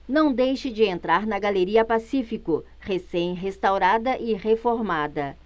não deixe de entrar na galeria pacífico recém restaurada e reformada